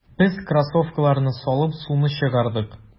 Без кроссовкаларны салып, суны чыгардык.